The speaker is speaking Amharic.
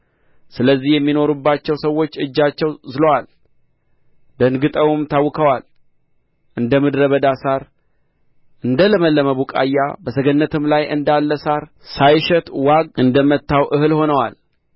ስለዚህ የሚኖሩባቸው ሰዎች እጃቸው ዝሎአል ደንግጠውም ታውከዋል እንደ ምድረ በዳ ሣር እንደ ለመለመም ቡቃያ በሰገነትም ላይ እንዳለ ሣር ሳይሸት ዋግ እንደ መታው እህል ሆነዋል